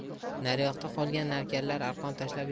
naryoqda qolgan navkarlar arqon tashlab